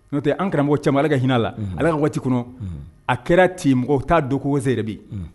N'o an karamɔgɔ caman ala ka hinɛla ala ka waati kɔnɔ a kɛra ten mɔgɔw t taa donkisɛ yɛrɛ bi